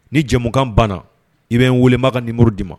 Ni jamumukan banna i bɛ n weelebaga ni muru di ma